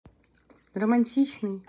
романтичный